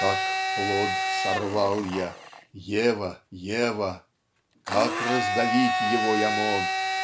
Как плод сорвал я, Ева, Ева? Как раздавить его я мог?